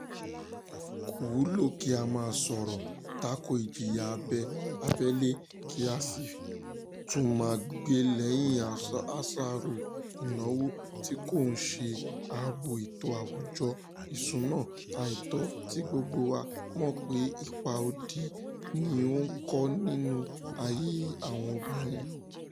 Kò wúlò kí a máa sọ̀rọ̀ tako ìjìyà abẹ́lé kí a sì tún máa gbèlẹ́yìn àṣàrò ìnáwó tí kò ní ṣe ààbò ètò àwùjọ, ìṣúná àìtó tí gbogbo wa mọ̀ pé ipa òdì ni ó ń kó nínú ayé àwọn obìnrin.